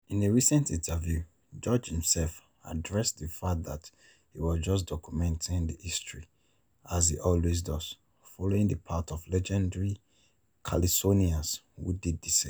In a recent interview, George himself addressed the fact that he was just "documenting the history" as he "always does", following the path of legendary calypsonians who did the same.